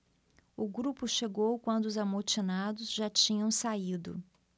o grupo chegou quando os amotinados já tinham saído